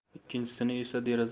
ikkinchisini esa deraza